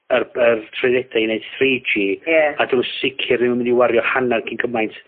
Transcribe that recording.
yr yr trwyddeda i neud three gee. Ie. A do'n nw sicir ddim yn myn' i wario hanner cyn cymaint